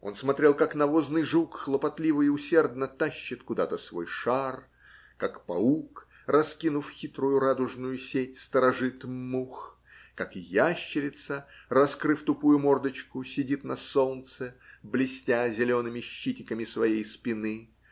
Он смотрел, как навозный жук хлопотливо и усердно тащит куда-то свой шар, как паук, раскинув хитрую радужную сеть, сторожит мух, как ящерица, раскрыв тупую мордочку, сидит на солнце, блестя зелеными щитиками своей спины